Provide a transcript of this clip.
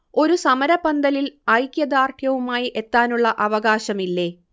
ഒരു സമരപന്തലിൽ ഐക്യദാർഢ്യവുമായി എത്താനുള്ള അവകാശം ഇല്ലേ